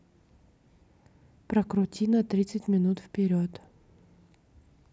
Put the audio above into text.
прокрути на тридцать минут вперед